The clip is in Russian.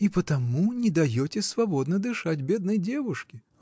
— И потому не даете свободно дышать бедной девушке.